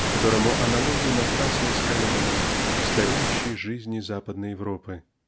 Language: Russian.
которому аналогий напрасно искали бы мы в стареющей жизни Западной Европы.